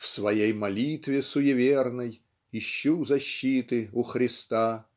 В своей молитве суеверной Ищу защиты у Христа